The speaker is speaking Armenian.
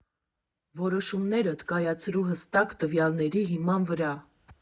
Որոշումներդ կայացրու հստակ տվյալների հիման վրա։